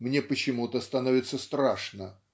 мне почему-то становится страшно